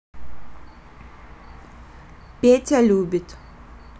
петя любит